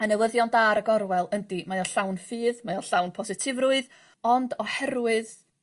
a newyddion da ar y gorwel yndi mae o llawn ffydd mae o llawn positifrwydd ond oherwydd